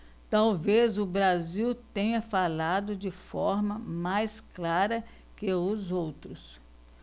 talvez o brasil tenha falado de forma mais clara que os outros